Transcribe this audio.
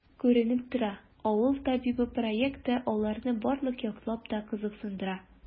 Күренеп тора,“Авыл табибы” проекты аларны барлык яклап та кызыксындыра.